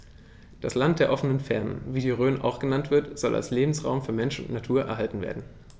Das „Land der offenen Fernen“, wie die Rhön auch genannt wird, soll als Lebensraum für Mensch und Natur erhalten werden.